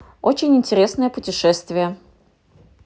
очень интересное путешествие